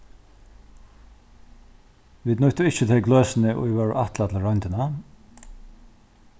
vit nýttu ikki tey gløsini ið vóru ætlað til royndina